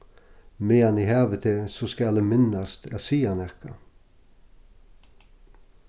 meðan eg havi teg so skal eg minnast at siga nakað